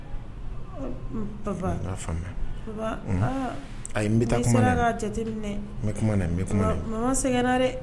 N